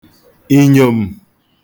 ìnyòm̀